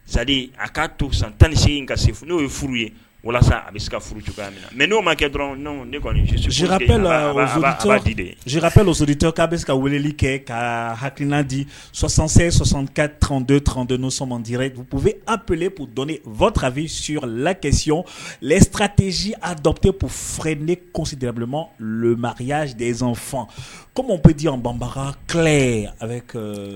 Zali a k'a to san tanse in ka se fo n'o ye furu ye walasa a bɛ se ka furu cogoya minɛ na mɛ n'o ma kɛ dɔrɔn kɔnika de zkate ladi k'a bɛ se ka weleli kɛ ka hakilinadi sɔsansɛ sɔsanka tɔnte tte niosɔnti yepubi aplep dɔn vta v suyɔn lasiy ssatesi aa dɔpp furakɛ ne kosidibilama maya dezfan ko bɛ di banbaga kɛlɛ a bɛ ka